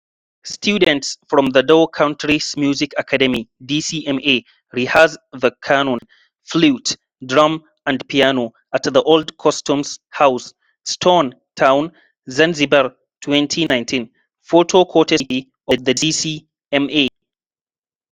Students from the Dhow Countries Music Academy (DCMA) rehearse the qanun, flute, drum and piano at the Old Customs House, Stone Town, Zanzibar, 2019. Photo courtesy of the DCMA.